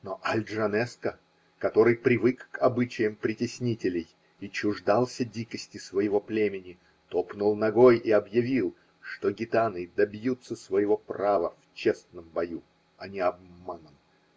Но Аль-Джанеско, который привык к обычаям притеснителей и чуждался дикости своего племени, топнул ногой и объявил, что гитаны добьются своего права в честном бою, а не обманом.